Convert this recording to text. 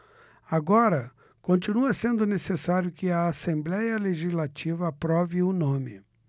agora continua sendo necessário que a assembléia legislativa aprove o nome